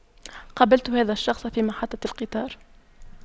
قابلت هذا الشخص في محطة القطار